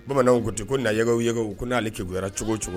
Bamananw ko ten ko na u ko'ale kkuyara cogo o cogo